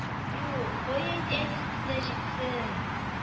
Юк, кая инде әни сөтенә җитсен